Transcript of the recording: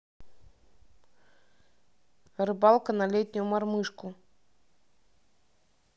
рыбалка на летнюю мормышку